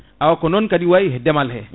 aw ko noon kay wayi e deemal he